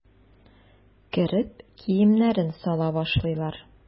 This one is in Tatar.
Кереп киемнәрен сала башлыйлар.